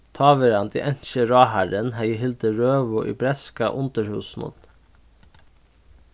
táverandi enski ráðharrin hevði hildið røðu í bretska undirhúsinum